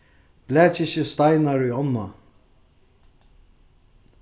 blakið ikki steinar í ánna